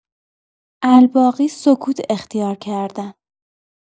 الباقی سکوت اختیار کردن.